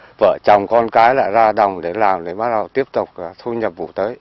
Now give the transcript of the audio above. vợ chồng con cái lại ra đồng để làm để bắt đầu tiếp tục thu nhập vụ tới